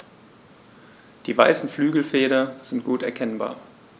Die weißen Flügelfelder sind gut erkennbar.